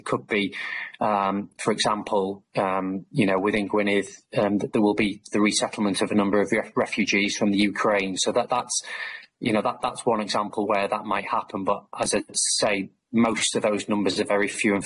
it could be for example you know within Gwynedd there will be the resettlement of a number of the refugees from the Ukraine so that that's you know that that's one example where that might happen but as I say most of those numbers are very few and